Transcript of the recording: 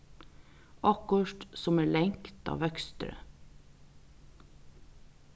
okkurt sum er langt á vøkstri